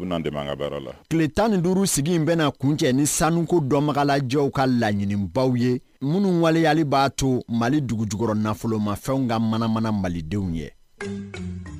U n'an dɛmɛ an' ŋa baara la tile 15 sigi in bɛna kuncɛ ni sanuko dɔnbagalajɛw ka laɲinibaw ye munnu waleyali b'a to Mali dugujukɔrɔnafolomafɛnw ka mana-mana Malidenw ɲɛ